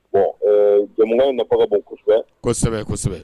Bon jamu ma tɔgɔ bɔ kosɛbɛ kosɛbɛ kosɛbɛ